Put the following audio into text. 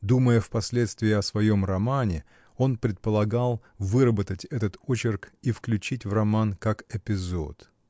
Думая впоследствии о своем романе, он предполагал выработать этот очерк и включить в роман как эпизод.